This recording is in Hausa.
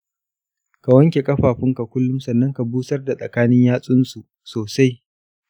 ka wanke ƙafafunka kullum sannan ka busar da tsakanin yatsunsu sosai.